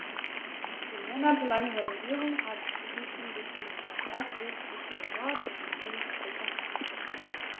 Die monatelange Renovierung hat diesen wichtigen Verkehrsweg zwischen dem Norden und dem Süden Europas abgeschnitten.